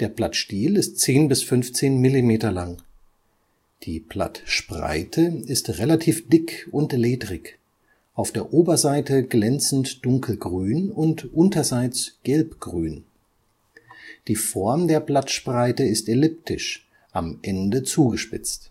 Der Blattstiel ist 10 bis 15 mm lang. Die Blattspreite ist relativ dick und ledrig, auf der Oberseite glänzend dunkelgrün und unterseits gelbgrün. Die Form der Blattspreite ist elliptisch, am Ende zugespitzt